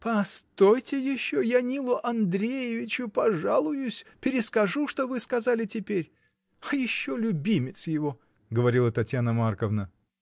— Постойте еще, я Нилу Андреевичу пожалуюсь, перескажу, что вы сказали теперь. А еще любимец его! — говорила Татьяна Марковна.